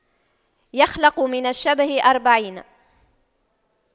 يخلق من الشبه أربعين